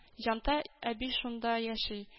Җантай әби шунда яши